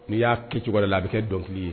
N'i y'a kɛcogo de la a bɛ kɛ dɔnkili ye